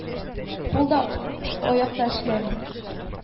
Кул да, аяк та эшләми